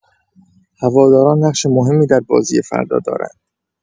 هواداران نقش مهمی در بازی فردا دارند.